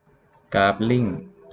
กราฟลิ้ง